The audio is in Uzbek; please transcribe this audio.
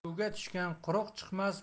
suvga tushgan quruq chiqmas